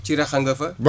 Thirakh a nga fa